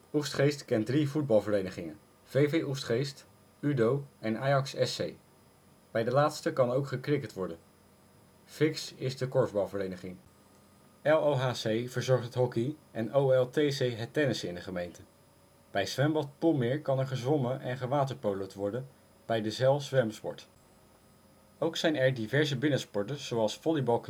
Oegstgeest kent drie voetbalverenigingen: VV Oegstgeest, UDO en Ajax-SC. Bij de laatste kan ook gecricket worden. FIKS is de korfbalvereniging. LOHC verzorgt het hockey en OLTC het tennissen in de gemeente. Bij zwembad Poelmeer kan er gezwommen en gewaterpolood worden bij De Zijl Zwemsport. Ook zijn er diverse binnensporten zoals Volleybal